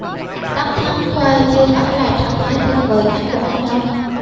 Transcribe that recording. đắc thắng khoe chưa phải là trạng thái tuyệt vời nhất của anh đâu